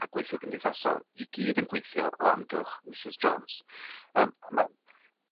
a gweithiwr cymdeithasol i gyd yn gweithio o amgylch Misys Jones. Yym a ma'...